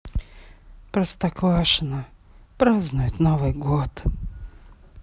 простоквашино празднуют новый год